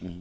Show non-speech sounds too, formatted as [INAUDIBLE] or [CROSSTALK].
[HESITATION] [HESITATION]